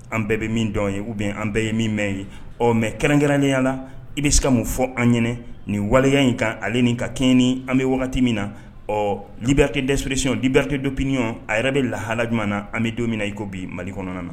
An bɛɛ bɛ min dɔn ye ou bien an bɛɛ ye min mɛ ye ɔɔ mais kɛrɛnkɛrɛnnenya la i bɛ se ka mun fɔ an ɲɛnɛ nin waleya in kan ale ni ka kɛɲɛ ni an bɛ wagati min na ɔɔ liberté d'expression liberté d'opinion a yɛrɛ bɛ lahala juman na an bɛ don mina na i ko bi Mali kɔnɔna na